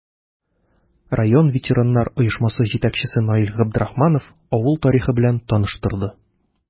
Район ветераннар оешмасы җитәкчесе Наил Габдрахманов авыл тарихы белән таныштырды.